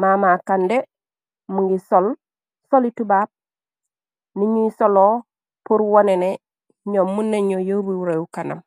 mama kandeh mungi sol soli tubab, ni njui soloh pur wohneh neh njom mun nen njur yorbul rew kanam.